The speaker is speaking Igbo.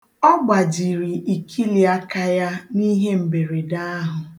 Ọ gbajiri ikiliaka ya n'ihemberede ahụ.